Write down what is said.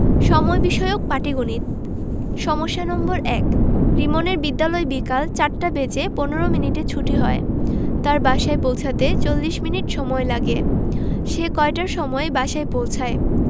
সময় বিষয়ক পাটিগনিতঃ সমস্যা নম্বর ১ রিমনের বিদ্যালয় বিকাল ৪ টা বেজে ১৫ মিনিটে ছুটি হয় তার বাসায় পৌছাতে ৪০ মিনিট সময়লাগে সে কয়টার সময় বাসায় পৌছায়